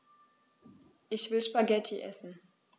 Ich will Spaghetti essen.